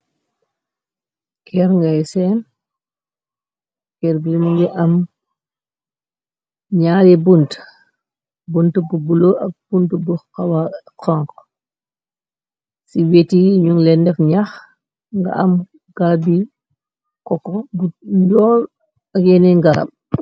Keer ngay seen keer bimu ngi am ñaari bunt. Bunt bu bulo ak bunt bu kank ci weti ñun lendex ñax nga am gar bi. Koko bu njool ak yenee garab.